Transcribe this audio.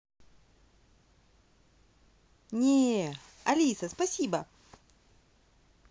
не алиса спасибо